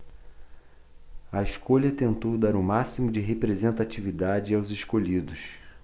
a escolha tentou dar o máximo de representatividade aos escolhidos